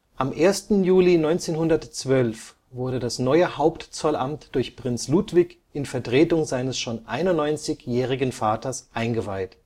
Am 1. Juli 1912 wurde das neue Hauptzollamt durch Prinz Ludwig in Vertretung seines schon 91-jährigen Vaters eingeweiht